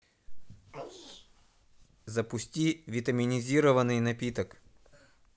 запусти витаминизированный напиток